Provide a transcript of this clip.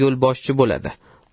yo'lboshchi bo'ladi